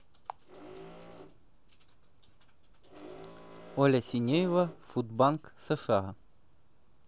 оля синеева фуд банк сша